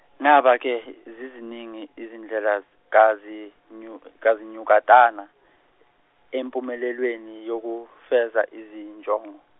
Naba ke ziziningi izindlela kazinuy- kazinuykatana empumelelweni yokufeza izinjongo.